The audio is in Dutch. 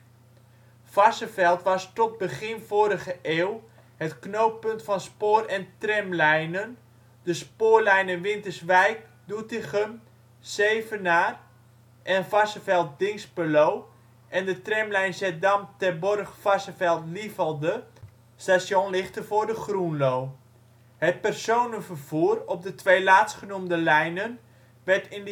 Varsseveld was tot begin vorige eeuw het knooppunt van spoor - en tramlijnen: de spoorlijnen Winterswijk - Doetinchem - Zevenaar en Varsseveld - Dinxperlo en de tramlijn Zeddam - Terborg - Varsseveld - Lievelde (station Lichtenvoorde-Groenlo). Het personenvervoer op de twee laatstgenoemde lijnen werd in